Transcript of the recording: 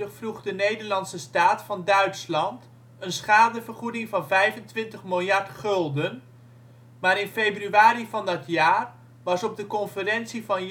vroeg de Nederlandse staat van Duitsland een schadevergoeding van 25 miljard gulden, maar in februari van dat jaar was op de conferentie van